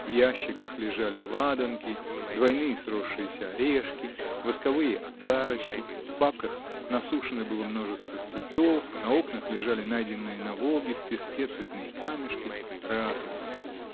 В ящиках лежали ладанки, двойные сросшиеся орешки, восковые огарочки, в папках насушено было множество цветов, на окнах лежали найденные на Волге в песке цветные камешки, раковинки.